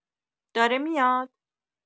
داره میاد؟